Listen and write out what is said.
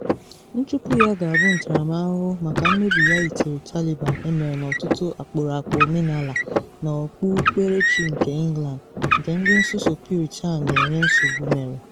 Nchụpụ ya ga-abụ ntaramahụhụ maka mmebi ya yitere Taliban emere n’ọtụtụ akpụrụakpụ omenala na okpukperechi nke England, nke ndị nsuso Puritan na enye nsogbu mere.